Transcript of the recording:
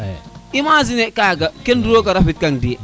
imaginer i kaga ken roga refida kang